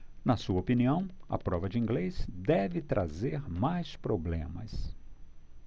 na sua opinião a prova de inglês deve trazer mais problemas